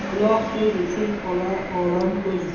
quloq so'z uchun olam ko'z uchun